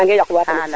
nange yaq wa tamit